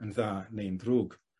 Yn dda neu'n ddrwg.